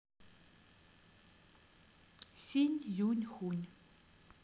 синь юнь хунь